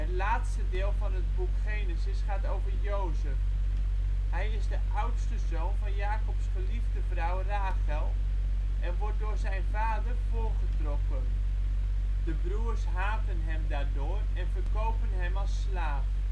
laatste deel van het boek Genesis gaat over Jozef. Hij is de oudste zoon van Jakobs geliefde vrouw Rachel en wordt door zijn vader voorgetrokken. De broers haten hem daardoor en verkopen hem als slaaf